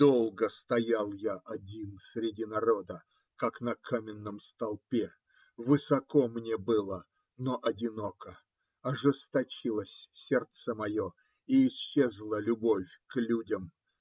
долго стоял я один среди народа, как на каменном столпе, высоко мне было, но одиноко, ожесточилось сердце мое и исчезла любовь к людям.